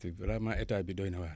te vraiment état bi doy na waar